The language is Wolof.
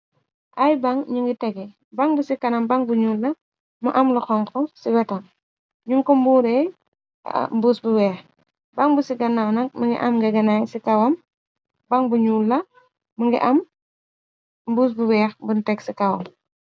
Ay bang ñu ngi tege baŋg bu ci kanam bang bu ñyuul la mu am lu xonk ci wetoon ñu ko mbuure mbuus bu weex ban bu ci gannaw nag më ngi am ngaganaay c ban bu nyuul la më ngi am mbuus bu weex bun teg ci kawam.